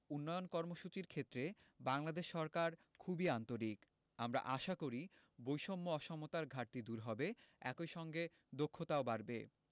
উন্নয়ন কর্মসূচির ক্ষেত্রে বাংলাদেশ সরকার খুবই আন্তরিক আমরা আশা করি বৈষম্য অসমতার ঘাটতি দূর হবে একই সঙ্গে দক্ষতাও বাড়বে